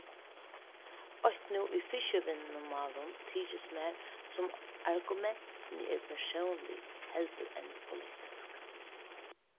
eitt nú í fiskivinnumálum tykist mær sum argumentini eru persónlig heldur enn politisk